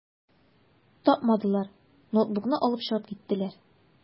Тапмадылар, ноутбукны алып чыгып киттеләр.